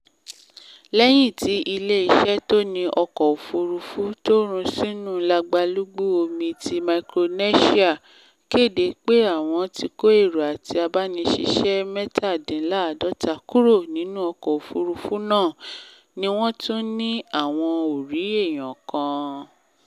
Lẹ́yìn tí Ilé-iṣẹ́ tó ni ọkọ̀-òfúrufú, tó run sínu lagbalúgbú omi ti Micronesia, kéde pé àwọn ti kó èrò àti abániṣiṣẹ́ 47 kúrò nínú ọkọ̀-òfúrufú náà, ni wọ́n tún ní àwọn ò rí èèyàn kan.